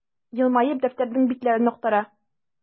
Елмаеп, дәфтәрнең битләрен актара.